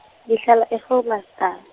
ngihlala e- Groblersdal.